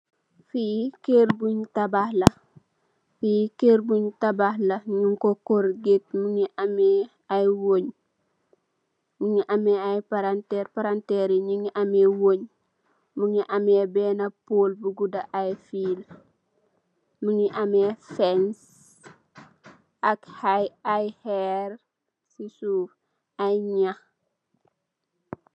Fii kër buñg tabax la, fii kër buñg tabax la, ñung korget, mu ngi amee, ay wéñge palanteer, palanteer yi ñu ngi wéñge, mu ngi amee beenë pool yu gudda, ay fiil, mu ngi amee fense, ak ay xéér, si suuf ay ñax.